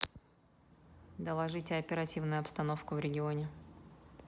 доложите оперативную обстановку в регионе